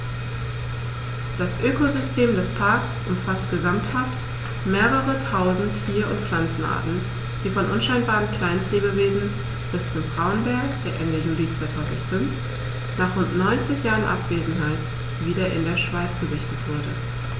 Das Ökosystem des Parks umfasst gesamthaft mehrere tausend Tier- und Pflanzenarten, von unscheinbaren Kleinstlebewesen bis zum Braunbär, der Ende Juli 2005, nach rund 90 Jahren Abwesenheit, wieder in der Schweiz gesichtet wurde.